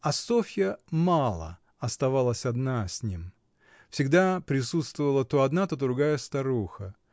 А Софья мало оставалась одна с ним: всегда присутствовала то одна, то другая старуха